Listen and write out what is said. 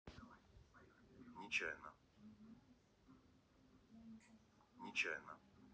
нечаянно